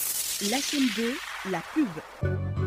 La bɛ lakun bɔ